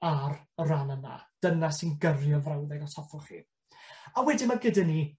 ar y ran yna, dyna sy'n gyrru y frawddeg os hoffwch chi. A wedyn ma' gyda ni